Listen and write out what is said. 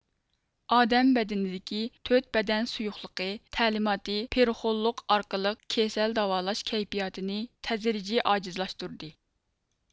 ئادەم بەدىنىدىكى تۆت بەدەن سۇيۇقلۇقى تەلىماتى پېرىخونلۇق ئارقىلىق كېسەل داۋالاش كەيپىياتىنى تەدرىجىي ئاجىزلاشتۇردى